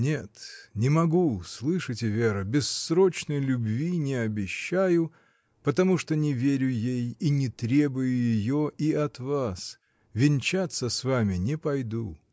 Нет, не могу — слышите, Вера, бессрочной любви не обещаю, потому что не верю ей и не требую ее и от вас, венчаться с вами не пойду.